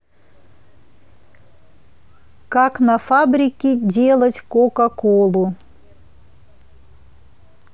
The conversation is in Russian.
как на фабрике делать кока колу